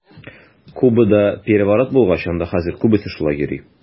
Кубада переворот булгач, анда хәзер күбесе шулай йөри.